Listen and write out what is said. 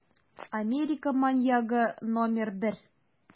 Америка маньягы № 1